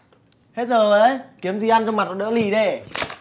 hết giờ rồi đấy kiếm gì ăn cho mặt nó đỡ lì đê